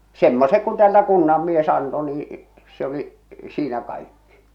semmoiset kun täältä kunnanmies antoi niin se oli siinä kaikki